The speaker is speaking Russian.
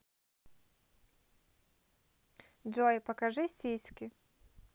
джой покажи сиськи